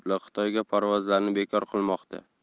sababli xitoyga parvozlarni bekor qilmoqda